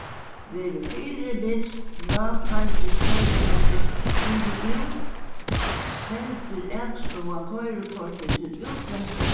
verður fyribils koyrikortið givið út sendir akstovan koyrikortið til útlendska